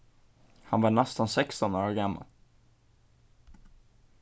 hann var næstan sekstan ára gamal